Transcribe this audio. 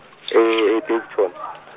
e- e- Daveyton.